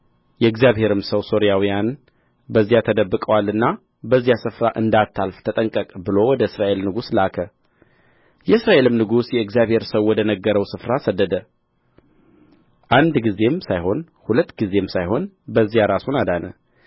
የእግዚአብሔርም ሰው ሶርያውያን በዚያ ተደብቀዋልና በዚያ ስፍራ እንዳታልፍ ተጠንቀቅ ብሎ ወደ እስራኤል ንጉሥ ላከ የእስራኤልም ንጉሥ የእግዚአብሔር ሰው ወደ ነገረው ስፍራ ሰደደ አንድ ጊዜም ሳይሆን ሁለት ጊዜም ሳይሆን በዚያ ራሱን አዳነ